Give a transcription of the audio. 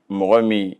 Mɔgɔ min